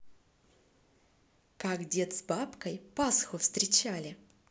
как дед с бабкой пасху встречали